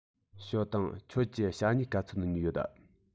ཞའོ ཏུང ཁྱོད ཀྱིས ཞྭ སྨྱུག ག ཚོད ཉོས ཡོད